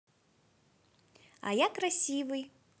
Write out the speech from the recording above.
а я красивый